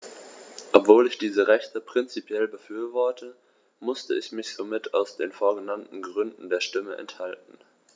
Obwohl ich diese Rechte prinzipiell befürworte, musste ich mich somit aus den vorgenannten Gründen der Stimme enthalten.